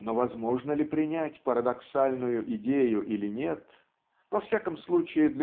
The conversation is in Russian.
Но возможно ли принять парадоксальную идею или нет во всяком случае